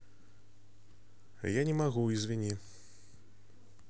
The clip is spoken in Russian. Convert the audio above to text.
я не могу извини